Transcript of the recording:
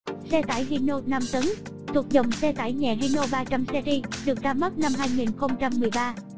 xe tải hino tấn thuộc dòng xe tải nhẹ hino series được ra mắt năm